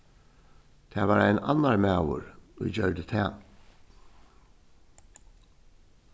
tað var ein annar maður ið gjørdi tað